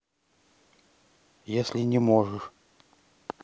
если не можешь